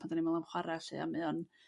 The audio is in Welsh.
Pan 'dyn ni'n me'wl am chwara' lle mae o'n